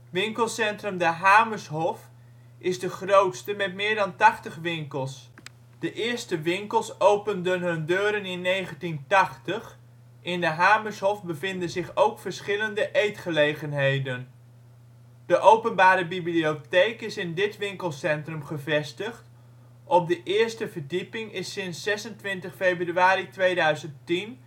Winkelcentrum de Hamershof is de grootste met meer dan 80 winkels, de eerste winkels opende hun deuren in 1980, in de Hamershof bevinden zich ook verschillende eetgelegenheden. De Openbare Bibliotheek is in dit winkelcentrum gevestigd, op de 1e verdieping is sinds 26 februari 2010 een